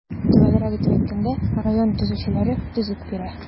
Төгәлрәк итеп әйткәндә, район төзүчеләре төзеп бирә.